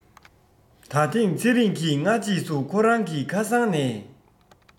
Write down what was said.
ད ཐེངས ཚེ རིང གིས སྔ རྗེས སུ ཁོ རང གི ཁ སང ནས